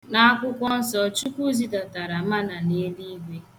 N' Akwụkwọ Nso, Chukwu zidatara Mana n' eliigwe